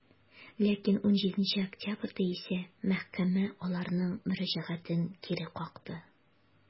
Ләкин 17 октябрьдә исә мәхкәмә аларның мөрәҗәгатен кире какты.